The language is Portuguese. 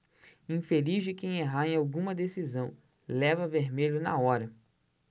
infeliz de quem errar em alguma decisão leva vermelho na hora